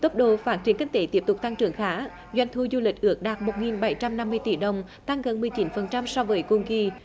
tốc độ phát triển kinh tế tiếp tục tăng trưởng khá doanh thu du lịch ước đạt một nghìn bảy trăm năm mươi tỷ đồng tăng gần mười chín phần trăm so với cùng kỳ